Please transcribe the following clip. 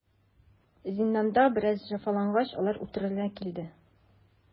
Зинданда бераз җәфалангач, алар үтерелә килде.